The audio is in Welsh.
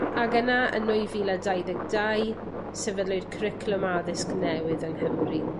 Ag yna yn nwy fil a dau ddeg dau, sefydlwyd cwricwlwm addysg newydd yng Nghymru.